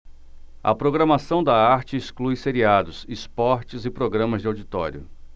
a programação da arte exclui seriados esportes e programas de auditório